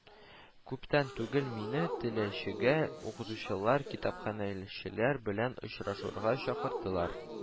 Күптән түгел мине Теләчегә укытучылар, китапханәчеләр белән очрашуга чакырдылар